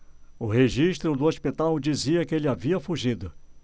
o registro do hospital dizia que ele havia fugido